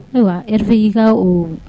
Hervé i ka o